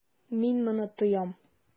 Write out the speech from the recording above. Мин моны тоям.